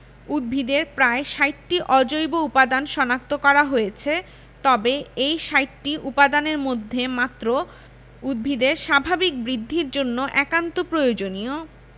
উদ্ভিদে প্রায় ৬০টি অজৈব উপাদান শনাক্ত করা হয়েছে তবে এই ৬০টি উপাদানের মধ্যে মাত্র উদ্ভিদের স্বাভাবিক বৃদ্ধির জন্য একান্ত প্রয়োজনীয়